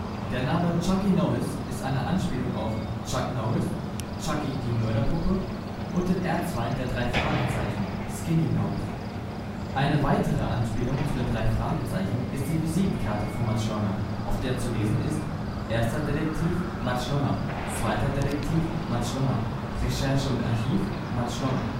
Der Name Chucky Norris ist eine Anspielung auf Chuck Norris, Chucky – Die Mörderpuppe und den Erzfeind der drei??? (Skinny Norris). Eine weitere Verbindung zu den drei??? ist die Visitenkarte von Much Longer, auf der zu lesen ist „ 1. Detektiv: Much Longer; 2. Detektiv: Much Longer; Recherche & Archiv: Much Longer